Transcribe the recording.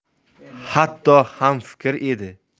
hatto hamfikr edi